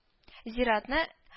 Зиратны